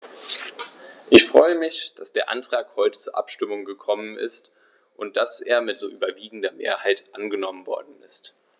Ich freue mich, dass der Antrag heute zur Abstimmung gekommen ist und dass er mit so überwiegender Mehrheit angenommen worden ist.